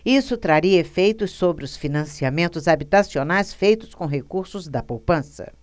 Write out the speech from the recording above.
isso traria efeitos sobre os financiamentos habitacionais feitos com recursos da poupança